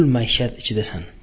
maishat ichidasan